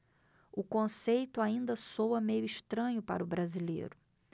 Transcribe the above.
o conceito ainda soa meio estranho para o brasileiro